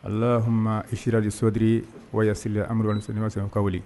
Alahma isili sodiri wasila amadu sama se kawu